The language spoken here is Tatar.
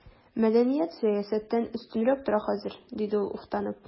Мәдәният сәясәттән өстенрәк тора хәзер, диде ул уфтанып.